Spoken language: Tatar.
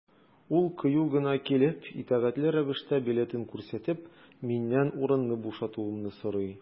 Ул кыю гына килеп, итәгатьле рәвештә билетын күрсәтеп, миннән урынны бушатуымны сорый.